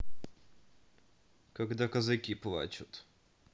когда казаки плачут